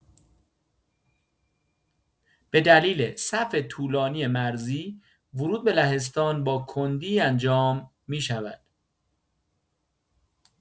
بدلیل صف طولانی مرزی، ورود به لهستان با کندی انجام می‌شود.